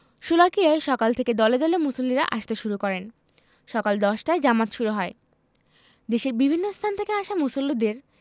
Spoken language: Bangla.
শোলাকিয়ায় সকাল থেকে দলে দলে মুসল্লিরা আসতে শুরু করেন সকাল ১০টায় জামাত শুরু হয় দেশের বিভিন্ন স্থান থেকে আসা মুসল্লিদের